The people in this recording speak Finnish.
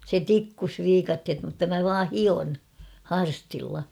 se tikkusi viikatteet mutta minä vain hion harstilla